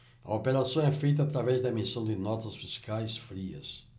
a operação é feita através da emissão de notas fiscais frias